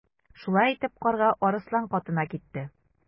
Шулай дип Карга Арыслан катына китте.